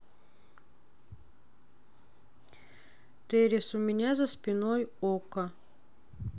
террис уменя за спиной okko